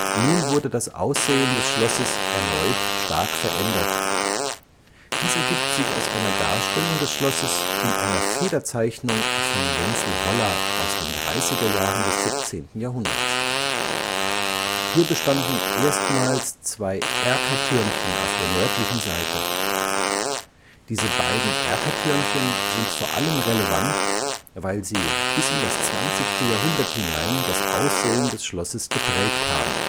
Nun wurde das Aussehen des Schlosses erneut stark verändert. Dies ergibt sich aus einer Darstellung des Schlosses in einer Federzeichnung von Wenzel Hollar aus den 30er Jahren des 17. Jahrhunderts. Hier bestanden erstmals zwei Erkertürmchen auf der nördlichen Seite. Diese beiden Erkertürmchen sind vor allem relevant, weil sie bis in das 20. Jahrhundert hinein das Aussehen des Schlosses geprägt haben